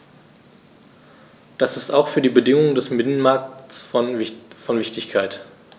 Das ist auch für die Bedingungen des Binnenmarktes von Wichtigkeit.